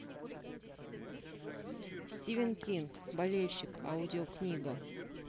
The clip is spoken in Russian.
стивен кинг болельщик аудиокнига